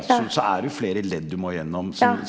ja ja.